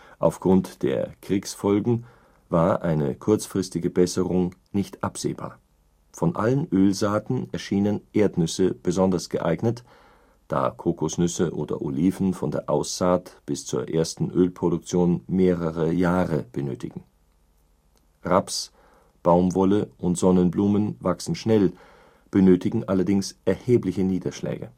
Aufgrund der Kriegsfolgen war eine kurzfristige Besserung nicht absehbar. Von allen Ölsaaten erschienen Erdnüsse besonders geeignet, da Kokosnüsse oder Oliven von der Aussaat bis zur ersten Ölproduktion mehrere Jahre benötigen. Raps, Baumwolle und Sonnenblumen wachsen schnell, benötigen allerdings erhebliche Niederschläge